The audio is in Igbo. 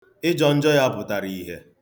Ịjọ njọ ya pụtara ihe.